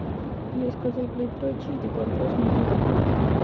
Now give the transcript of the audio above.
я сказал блядь дрочить и подбрось монетку